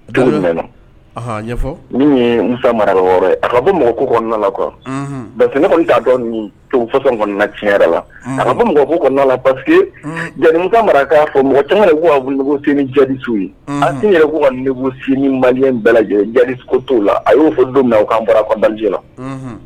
Ɲɛfɔ min ye musa mara a ka bɔ mɔgɔ kɔnɔna la kɔni'a dɔn tot kɔnɔna tiɲɛ yɛrɛ la a bɔ mɔgɔ kɔnɔna la pa jelimu mara k'a fɔ mɔgɔ tanga'ugu sini jaso ye a sini yɛrɛu ne sini ni mali bɛɛ jaso to la a y'o fɔ don min na aw kaan bɔra balijɛ la